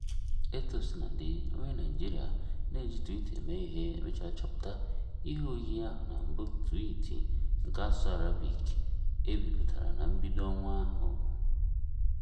Etuosinadị, onye Naịjirịa na-eji Twitter eme ihe mechara chọta ihe oyiyi ahụ na mbụ twiiti nke asụsụ Arabic nke e bipụtara na mbido ọnwa ahụ.